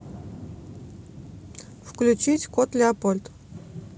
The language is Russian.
включить кот леопольд